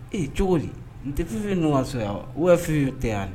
Ee cogo di n tɛfifin nso yan wafifin tɛ yan